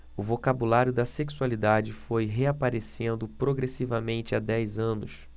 o vocabulário da sexualidade foi reaparecendo progressivamente há dez anos